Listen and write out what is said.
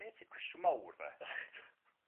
Be' ti... Cwestiwn mawr 'de. Reit.